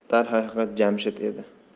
darhaqiqat jamshid edi